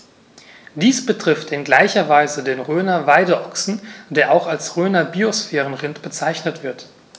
Dies betrifft in gleicher Weise den Rhöner Weideochsen, der auch als Rhöner Biosphärenrind bezeichnet wird.